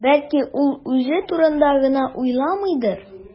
Бәлки, ул үзе турында гына уйламыйдыр?